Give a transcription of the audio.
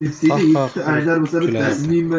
qah qah urib kuladi